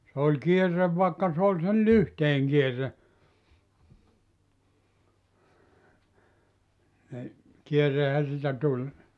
se oli kierre vaikka se oli sen lyhteen kierre niin kierrehän siitä tuli